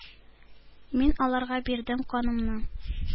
Мин аларга бирдем канымны,